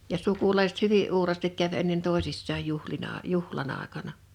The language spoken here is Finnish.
ja sukulaiset hyvin uuraasti kävi ennen toisissaan juhlina juhlan aikana